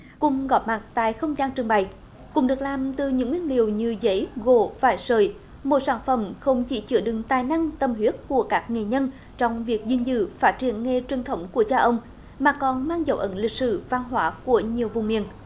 cùng góp mặt tại không gian trưng bày cùng được làm từ những nguyên liệu như giấy gỗ vải sợi một sản phẩm không chỉ chứa đựng tài năng tâm huyết của các nghệ nhân trong việc gìn giữ phát triển nghề truyền thống của cha ông mà còn mang dấu ấn lịch sử văn hóa của nhiều vùng miền